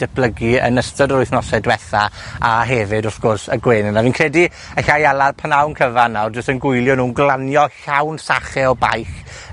datblygu yn ystod yr wythnose dwetha, a hefyd, wrth gwrs, a gwenyn a fi'n credu, allai ala pynawn cyfan nawr jys yn gwylio nw'n glanio llawn sachau o baich,